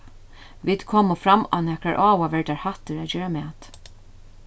vit komu fram á nakrar áhugaverdar hættir at gera mat